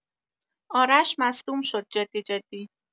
آرش مصدوم شد جدی جدی